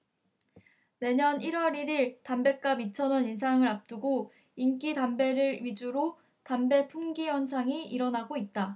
내년 일 월 일 일 담뱃값 이 천원 인상을 앞두고 인기 담배를 위주로 담배 품귀 현상이 일어나고 있다